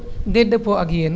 day dëppoo ak yéen